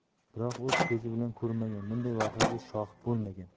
biroq o'z ko'zi bilan ko'rmagan bunday voqeaga shohid bo'lmagan